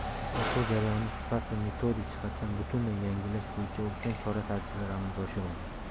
o'quv jarayonini sifat va metodik jihatdan butunlay yangilash bo'yicha ulkan chora tadbirlar amalga oshirildi